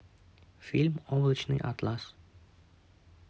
фильм облачный атлас